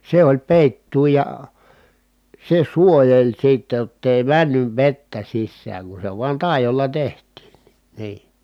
se oli peitto ja se suojeli sitten jotta ei mennyt vettä sisään kun se vain taidolla tehtiin niin niin